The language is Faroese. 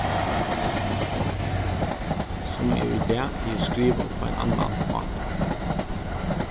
sum eg í dag hevði skrivað upp á ein annan máta